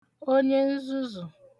onye nzuzù